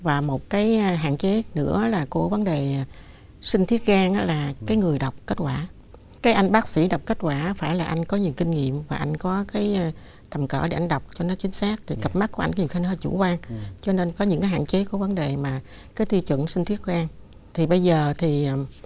và một cái hạn chế nữa là của vấn đề sinh tiết gan là cái người đọc kết quả cái anh bác sĩ đọc kết quả phải là anh có nhiều kinh nghiệm và anh có cái tầm cỡ để anh đọc cho nó chính xác thì cặp mắt của anh nhiều khi nó là chủ quan cho nên có những cái hạn chế của vấn đề mà các tiêu chuẩn sinh thiết gan thì bây giờ thì